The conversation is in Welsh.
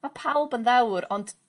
Ma' pawb yn ddewr ond